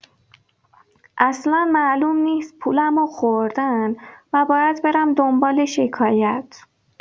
اصلان معلوم نیست پولمو خوردن و باید برم دنبال شکایت!